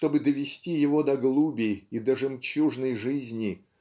чтобы довести его до глуби и до жемчужной жизни